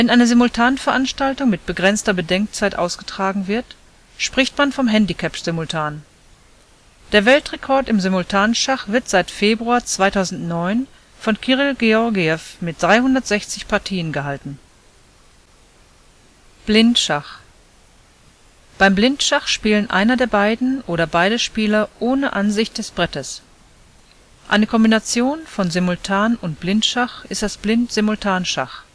eine Simultanveranstaltung mit begrenzter Bedenkzeit ausgetragen wird, spricht man vom Handicap-Simultan. Der Weltrekord im Simultanschach wird seit Februar 2009 von Kiril Georgiew mit 360 Partien gehalten. Blindschach: Beim Blindschach spielen einer der beiden oder beide Spieler ohne Ansicht des Brettes. Eine Kombination von Simultan - und Blindschach ist das Blind-Simultan-Schach